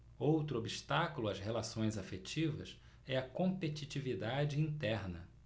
outro obstáculo às relações afetivas é a competitividade interna